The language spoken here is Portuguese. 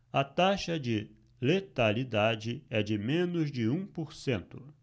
a taxa de letalidade é de menos de um por cento